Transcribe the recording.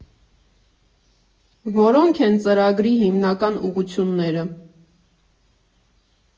Որո՞նք են ծրագրի հիմնական ուղղությունները։